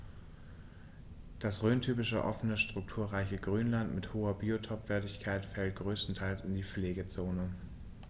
Das rhöntypische offene, strukturreiche Grünland mit hoher Biotopwertigkeit fällt größtenteils in die Pflegezone.